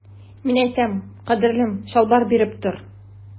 Мин әйтәм, кадерлем, чалбар биреп тор.